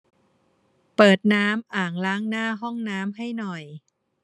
เปิดน้ำอ่างล้างหน้าห้องน้ำให้หน่อย